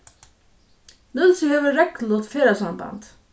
nólsoy hevur regluligt ferðasamband